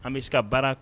An bɛ ka baara